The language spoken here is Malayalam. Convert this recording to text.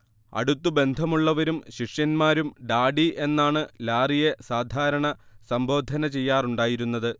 അടുത്തു ബന്ധമുള്ളവരും ശിഷ്യന്മാരും ഡാഡി എന്നാണ് ലാറിയെ സാധാരണ സംബോധന ചെയ്യാറുണ്ടായിരുന്നത്